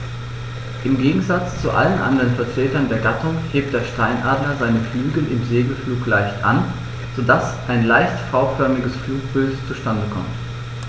Im Gegensatz zu allen anderen Vertretern der Gattung hebt der Steinadler seine Flügel im Segelflug leicht an, so dass ein leicht V-förmiges Flugbild zustande kommt.